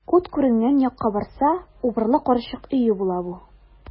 Ут күренгән якка барса, убырлы карчык өе була бу.